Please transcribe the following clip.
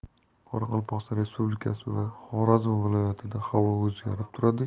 qoraqalpog'iston respublikasi va xorazm viloyatida havo o'zgarib